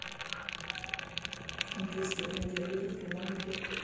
английская премьер лига прямой эфир